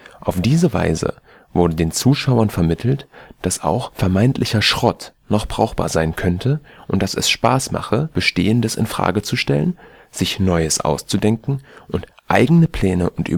Auf diese Weise wurde den Zuschauern vermittelt, dass auch vermeintlicher „ Schrott “noch brauchbar sein könne und dass es Spaß mache, Bestehendes in Frage zu stellen, sich Neues auszudenken und eigene Pläne und